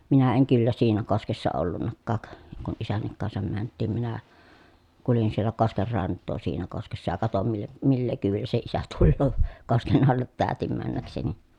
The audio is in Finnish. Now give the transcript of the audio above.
minä en kyllä siinä koskessa ollutkaan kun isänkin kanssa mentiin minä kuljin siellä kosken rantaa siinä koskessa ja katoin - millä kyydillä se isä tulee kosken alle täytin mennäkseni